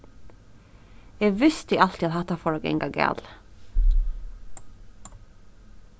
eg visti altíð at hatta fór at ganga galið